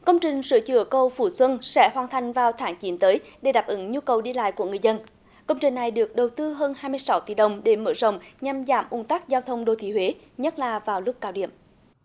công trình sửa chữa cầu phú xuân sẽ hoàn thành vào tháng chín tới để đáp ứng nhu cầu đi lại của người dân công trình này được đầu tư hơn hai mươi sáu tỷ đồng để mở rộng nhằm giảm ùn tắc giao thông đô thị huế nhất là vào lúc cao điểm